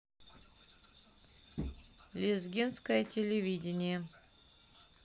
лезгинское телевидение